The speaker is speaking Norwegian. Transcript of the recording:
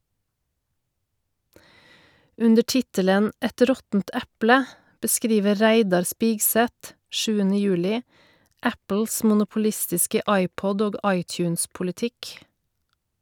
Under tittelen "Et råttent eple" beskriver Reidar Spigseth 7. juli Apples monopolistiske iPod- og iTunes-politikk.